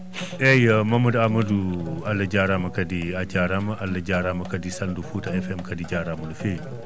eyyi Mamadou Amadou Allah jarama kadi a jarama Allah jarama kadi Saldu Fouta FM kadi jarama no fewi